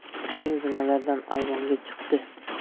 g'ishtin zinalardan ayvonga chiqdi